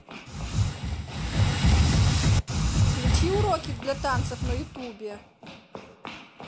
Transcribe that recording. включи уроки для танцев на ютубе